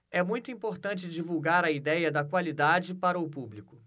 é muito importante divulgar a idéia da qualidade para o público